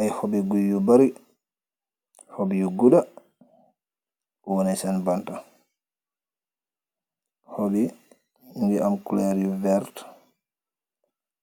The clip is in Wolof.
Ay hobi guyu bari hobiyu guda woni sen banta , hobi bugeh emm culoor yu verte